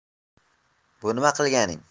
bu nima qilganing